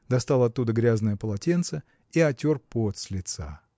достал оттуда грязное полотенце и отер пот с лица.